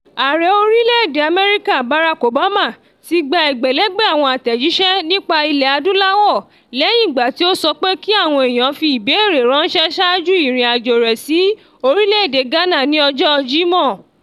Ààrẹ orílẹ̀ èdè America Barack Obama tí gba ẹgbẹ̀lẹ́gbẹ̀ àwọn àtẹ̀jíṣẹ́ nípa ilẹ̀ Adúláwò lẹ́yìn ìgbà tí ó sọ pé kí àwọn èèyàn fi ìbéèrè ránṣẹ́ ṣáájú ìrìn àjò rẹ̀ sí orílẹ̀ èdè Ghana ní ọjọ́ Jímọ̀.